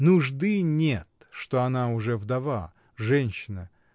Нужды нет, что она уже вдова, женщина